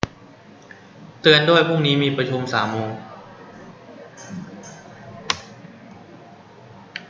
เตือนด้วยพรุ่งนี้มีประชุมสามโมง